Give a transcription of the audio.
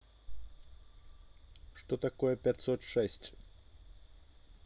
что такое пятьсот шесть